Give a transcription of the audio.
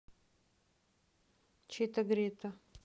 чито грито